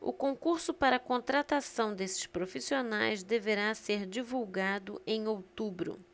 o concurso para contratação desses profissionais deverá ser divulgado em outubro